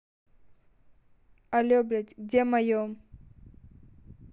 але блядь где мое